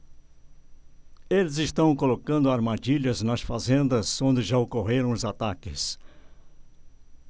eles estão colocando armadilhas nas fazendas onde já ocorreram os ataques